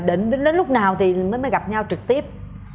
định đến lúc nào thì mới mới gặp nhau trực tiếp